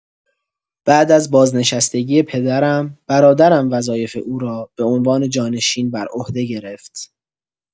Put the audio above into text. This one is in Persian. بعد از بازنشستگی پدرم، برادرم وظایف او را به عنوان جانشین بر عهده گرفت.